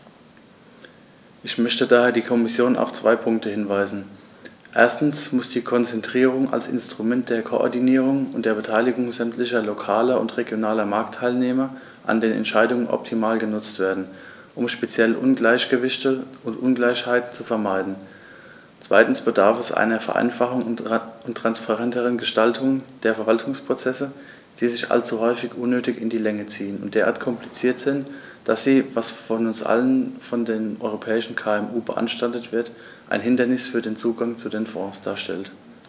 Ich möchte daher die Kommission auf zwei Punkte hinweisen: Erstens muss die Konzertierung als Instrument der Koordinierung und der Beteiligung sämtlicher lokaler und regionaler Marktteilnehmer an den Entscheidungen optimal genutzt werden, um speziell Ungleichgewichte und Ungleichheiten zu vermeiden; zweitens bedarf es einer Vereinfachung und transparenteren Gestaltung der Verwaltungsprozesse, die sich allzu häufig unnötig in die Länge ziehen und derart kompliziert sind, dass sie, was vor allem von den europäischen KMU beanstandet wird, ein Hindernis für den Zugang zu den Fonds darstellen.